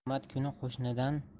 qiyomat kuni qo'shnidan